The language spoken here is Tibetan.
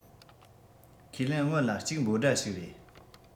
ཁས ལེན སྔོན ལ གཅིག འབོད སྒྲ ཞིག རེད